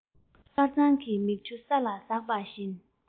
དཀར གཙང གི མིག ཆུ ས ལ ཟགས བཞིན འདུག